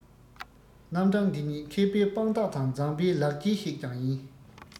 རྣམ གྲངས འདི ཉིད མཁས པའི དཔང རྟགས དང མཛངས པའི ལག རྗེས ཤིག ཀྱང ཡིན